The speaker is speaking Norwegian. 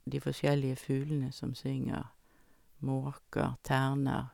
De forskjellige fuglene som synger, måker, terner.